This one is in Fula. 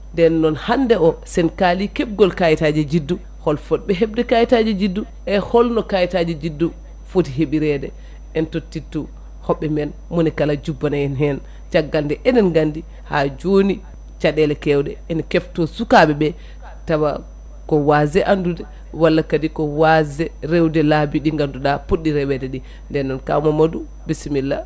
nden noon hande o sen kaali kebgol kayitaji juddu hol foɗɓe hebde kayitaji juddu e holno kayitaji juddu foti heeɓirede en tottitu hoɓɓe men monikala jubbana en hen caggal nde eɗen gandi ha joni caɗele kewɗe ene kefto sukaɓeɓe tawa ko wasde andude walla kadi ko wasde rewde laabi ɗi ganduɗa poɗɗi rewede ɗi nden noon kaw Mamadou bissimilla